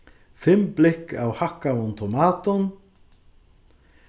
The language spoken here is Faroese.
fimm blikk av hakkaðum tomatum